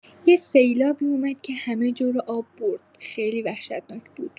یه سیلابی اومد که همه‌جا رو آب برد، خیلی وحشتناک بود.